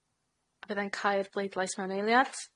Fyddai'n cau'r bleidlais mewn eiliad.